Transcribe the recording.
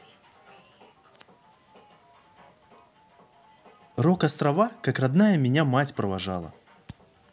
рок острова как родная меня мать провожала